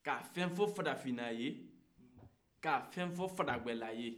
ka fɛn fɔ farafinna ye bi ka fɛn fɔ faragela ye